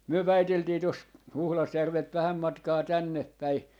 me väiteltiin tuossa Huhdasjärveltä vähän matkaa tännepäin